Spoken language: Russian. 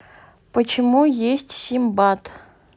почему есть симбат